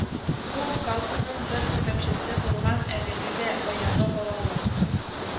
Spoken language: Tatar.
Бу гауганың бер сәбәпчесе булган әлеге дә баягы балалы